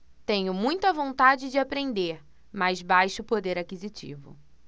tenho muita vontade de aprender mas baixo poder aquisitivo